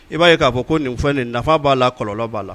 I b'a k'a fɔ ko nin nin nafa b'a la kɔlɔlɔn b'a la